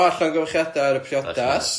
O llongyfarchiadau ar y priodas.